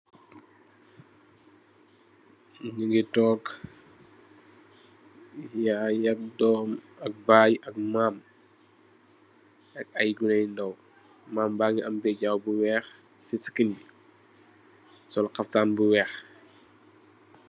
Nuge tonke yaye ak doom ak baye ak mam ak aye goneh yu ndaw mam bage am bejaw bu weex se sekeg be sol xaftan bu weex.